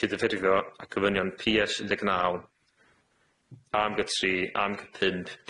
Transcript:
cydyffurfio â gofynion Pi Es un deg naw My Gy tri am gy pump